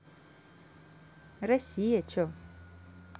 россия че